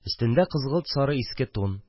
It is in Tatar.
Өстендә кызгылт-сары иске тун